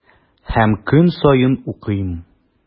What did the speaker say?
Һәм көн саен укыйм.